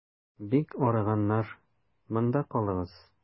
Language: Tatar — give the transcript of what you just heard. Бик арыганнар, монда калыгыз.